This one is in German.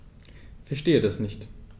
Verstehe das nicht.